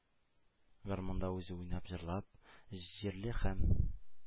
Гармунда үзе уйнап-җырлап, җирле һәм